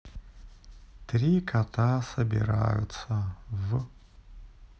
три кота собираются в